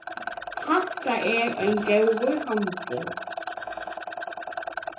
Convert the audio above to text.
hatta er ein góður handil